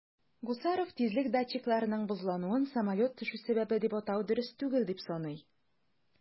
Гусаров тизлек датчикларының бозлануын самолет төшү сәбәбе дип атау дөрес түгел дип саный.